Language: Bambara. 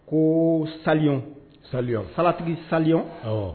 Ko sa sali faratigi saliy